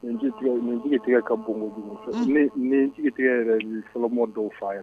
Nin jigi tigɛ ka bon ni n jigi tigɛ yɛrɛ bɛ fɔlɔma dɔw fa yan